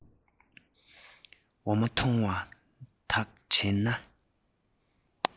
འོ མ འཐུང བ དག དྲན ན